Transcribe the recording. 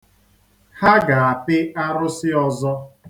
Ha ga-apị arụṣi ọzọ.